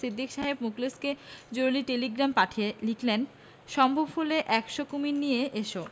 সিদ্দিক সাহেব মুখলেসকে জরুরী টেলিগ্রাম পাঠিয়ে লিখলেন সম্ভব হলে একশ কুমীর নিয়ে এসো